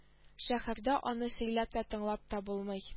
Шәһәрдә аны сөйләп тә тыңлап та булмый